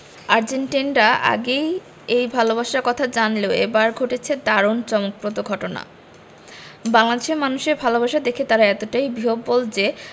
আর্জেন্টাইনরা আগেই এই ভালোবাসার কথা জানলেও এবার ঘটেছে দারুণ চমকপ্রদ ঘটনা বাংলাদেশের মানুষের ভালোবাসা দেখে তারা এতটাই বিহ্বল যে